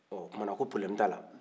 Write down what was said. o tumana ko pɔrɔbilɛmu t'a la